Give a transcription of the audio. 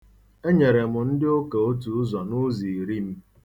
Enyere m ndị ụka otuuzọ nụụzọ iri m.